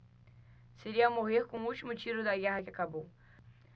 seria morrer com o último tiro da guerra que acabou